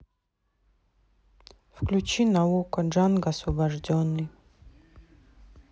включи на окко джанго освобожденный